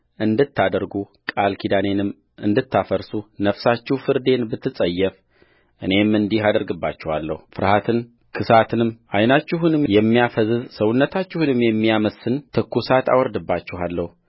እንዳታደርጉ ቃል ኪዳኔንም እንድታፈርሱ ነፍሳችሁ ፍርዴን ብትጸየፍእኔም እንዲህ አደርግባችኋለሁ ፍርሃትን ክሳትንም ዓይናችሁንም የሚያፈዝዝ ሰውነታችሁንም የሚያማስን ትኩሳት አወርድባችኋለሁ